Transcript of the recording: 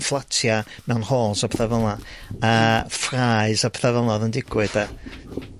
fflatia' mewn halls a petha fel 'na. Yy, ffraes a petha fel 'na odd yn digwydd 'de?